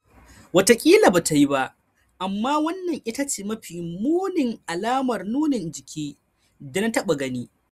Wataƙila ba ta yi ba, amma wannan ita ce mafi munin alamar nunin jiki da na taɓa gani. "